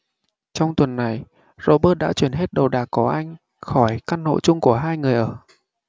trong tuần này robert đã chuyển hết đồ đạc của anh khỏi căn hộ chung của hai người ở